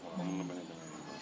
waaw mun na bañ a demee noonu